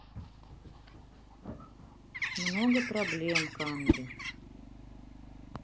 много проблем канги